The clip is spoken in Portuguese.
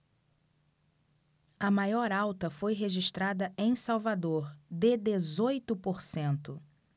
a maior alta foi registrada em salvador de dezoito por cento